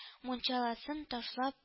Мунчаласын ташлап